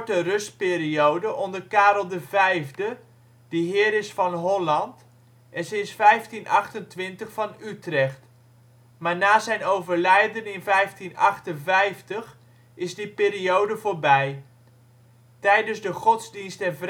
rustperiode onder Karel V, die heer is van Holland en sinds 1528 van Utrecht, maar na zijn overlijden in 1558 is die periode voorbij. Tijdens de godsdienst - en vrijheidsstrijd